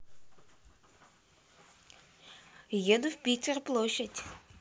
еду в питер площадь